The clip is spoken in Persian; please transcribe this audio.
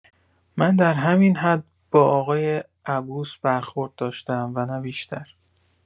من در همین حد با آقای عبوس برخورد داشته‌ام و نه بیشتر.